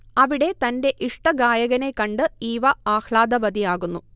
അവിടെ തന്റെ ഇഷ്ടഗായകനെ കണ്ട് ഈവ ആഹ്ലാദവതിയാകുന്നു